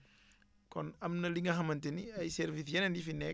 kon am na li nga xamante ni ay services yeneen yi fi nekk